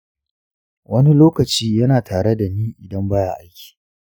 wani lokaci yana tare da ni idan baya aiki.